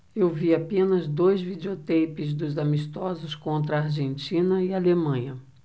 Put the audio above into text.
eu vi apenas dois videoteipes dos amistosos contra argentina e alemanha